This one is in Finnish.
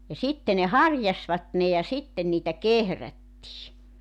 ja sitten ne harjasivat ne ja sitten niitä kehrättiin